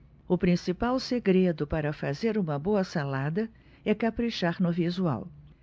o principal segredo para fazer uma boa salada é caprichar no visual